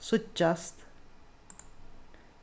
síggjast